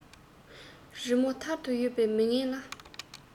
རི མོ ཐུར ལ ཡོད པའི མི ངན ལ